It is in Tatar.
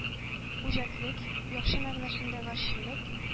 Үҗәтлек, яхшы мәгънәсендә гарьчеллек